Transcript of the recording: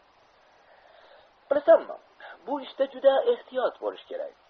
bu ishda juda ehtiyot bo'lish kerak